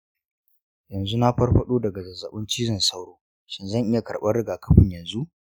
yanzu na farfaɗo daga zazzabin cizon sauro, shin zan iya karɓar rigakafin yanzu?